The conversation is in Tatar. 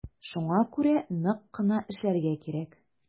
Шуңа күрә нык кына эшләргә кирәк.